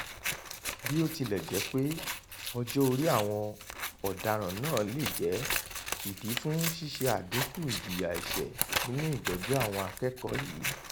Bí ó tilẹ̀ jẹ́ pé ọjọ́-orí àwọn ọ̀daràn náà lè jẹ́ ìdí fún ṣíṣe àdínkù ìjìyà ẹ̀sẹ̀ nínú ìgbẹ́jọ́ àwọn akẹ́kọ̀ọ́ yìí.